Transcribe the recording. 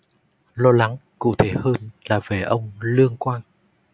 lo lắng cụ thể hơn là về ông lương quang